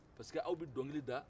parce que aw bɛ dɔnkili da